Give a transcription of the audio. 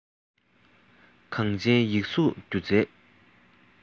གངས ཅན ཡིག གཟུགས སྒྱུ རྩལ